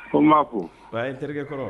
Ko ma ko a ye terikɛ kɔrɔ